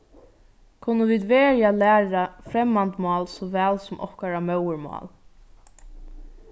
kunnu vit veruliga læra fremmand mál so væl sum okkara móðurmál